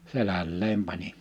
selälleen panin